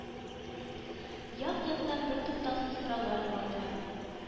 Як-яктан бертуктаусыз сораулар ява тора.